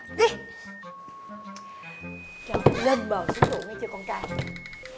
đi cho nó lên bờ xuống ruộng nghe chưa con trai